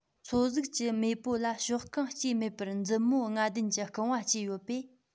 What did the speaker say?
མཚོ གཟིག གི མེས པོ ལ གཤོག རྐང སྐྱེས མེད པར མཛུབ མོ ལྔ ལྡན གྱི རྐང པ སྐྱེས ཡོད པས